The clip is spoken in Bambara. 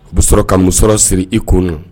U bɛ sɔrɔ ka muso siri i kɔnɔ na